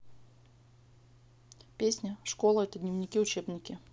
песня школа это дневники учебники